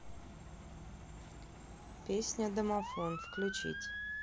песня домофон включить